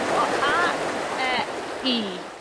wo- a e i.